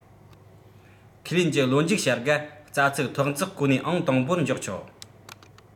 ཁས ལེན གྱི ལོ མཇུག བྱ དགའ རྩ ཚིག ཐོག འཛེགས གོ གནས ཨང དང པོར འཇོག ཆོག